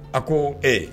A ko ee